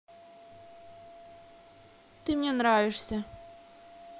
ты мне нравишься